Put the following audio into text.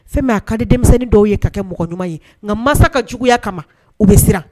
Fɛn' aa kan di denmisɛnnin dɔw ye ka kɛ mɔgɔ ɲuman ye nka mansa ka juguya kama u bɛ siran